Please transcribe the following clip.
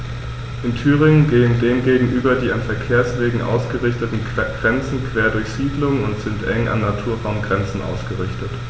In Thüringen gehen dem gegenüber die an Verkehrswegen ausgerichteten Grenzen quer durch Siedlungen und sind eng an Naturraumgrenzen ausgerichtet.